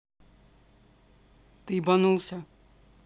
ты ебанулся